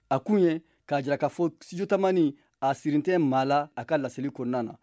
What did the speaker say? a kun ye k'a jira k'a fɔ ko studio tamani a sirilen tɛ maa la a ka laseli kɔnɔna na